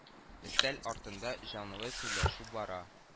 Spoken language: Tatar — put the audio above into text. Өстәл артында жанлы сөйләшү бара